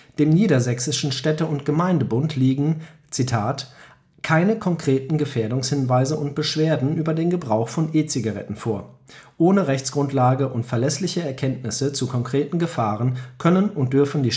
Dem niedersächsischen Städte - und Gemeindebund liegen „ keine konkreten Gefährdungshinweise und Beschwerden über den Gebrauch von E-Zigaretten vor. Ohne Rechtsgrundlage und verlässliche Erkenntnisse zu konkreten Gefahren können und dürfen die